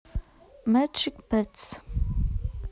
мэджик петс